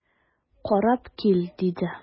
Карап кил,– диде.